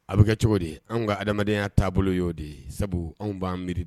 A bɛ kɛ cogo di, an ka adamadenya taabolo y'o de ye. Sabu anw b'an miri